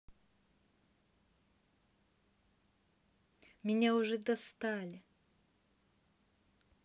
меня уже достали